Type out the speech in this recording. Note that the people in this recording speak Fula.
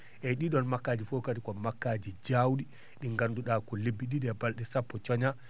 eeyi ɗiɗon makkaaji fof kadi ko makkaaji jaawɗi ɗi ngannduɗaa ko lebbi ɗiɗi e balɗe sappo cooña